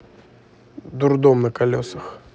дурдом на колесах